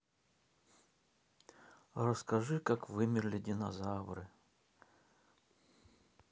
а расскажи как вымерли динозавры